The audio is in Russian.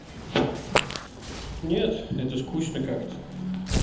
нет это скучно как то